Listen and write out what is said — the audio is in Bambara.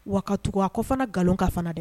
Wa ka tugu a ko fana nkalon ka fana dɛ.